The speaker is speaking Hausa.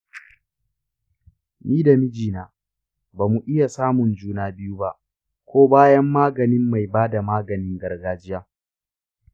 ni da mijina ba mu iya samun juna biyu ba ko bayan maganin mai bada maganin gargajiya.